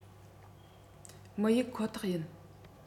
མི གཡུགས ཁོ ཐག ཡིན